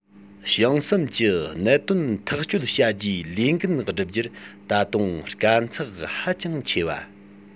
ཞིང གསུམ གྱི གནད དོན ཐག གཅོད བྱ རྒྱུའི ལས འགན བསྒྲུབ རྒྱུར ད དུང དཀའ ཚེགས ཧ ཅང ཆེ བ